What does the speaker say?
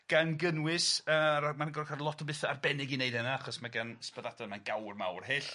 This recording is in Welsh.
Gan gynnwys yy ro- mae'n gor'o' ca'l lot o betha arbennig i neud hynna achos mae gan Ysbaddadan mae'n gawr mawr hyll.